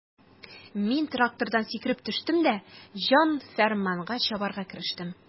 Мин трактордан сикереп төштем дә җан-фәрманга чабарга керештем.